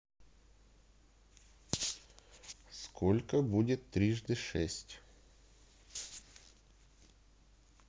сколько будет трижды шесть